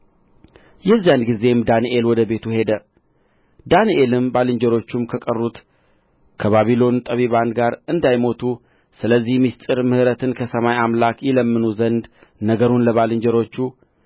የዚያን ጊዜም ዳንኤል ወደ ቤቱ ሄደ ዳንኤልም ባልንጀሮቹም ከቀሩት ከባቢሎን ጠቢባን ጋር እንዳይሞቱ ስለዚህ ምሥጢር ምሕረትን ከሰማይ አምላክ ይለምኑ ዘንድ ነገሩን ለባልንጀሮቹ